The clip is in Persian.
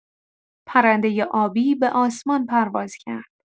پرندۀ آبی به آسمان پرواز کرد.